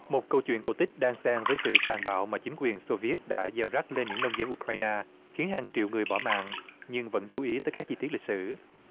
một câu chuyện cổ tích đan xen với sự tàn bạo mà chính quyền xô viết đã gieo rắc lên những nông dân u cờ rai na khiến hàng triệu người bỏ mạng nhưng vẫn chú ý tới các chi tiết lịch sử